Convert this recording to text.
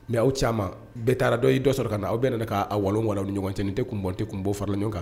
Mɛ aw caman bɛɛ taara dɔn y' dɔ sɔrɔ ka na aw bɛɛ k'a walilan ɲɔgɔn cɛin tɛ tunb tɛ tun' fara ɲɔgɔn kan